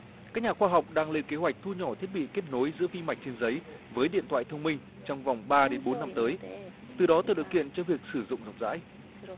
các nhà khoa học đang lên kế hoạch thu nhỏ thiết bị kết nối giữa vi mạch trên giấy với điện thoại thông minh trong vòng ba đến bốn năm tới từ đó tạo điều kiện cho việc sử dụng rộng rãi